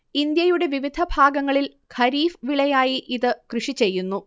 ഇന്ത്യയുടെ വിവിധ ഭാഗങ്ങളിൽ ഖരീഫ് വിളയായി ഇത് കൃഷിചെയ്യുന്നു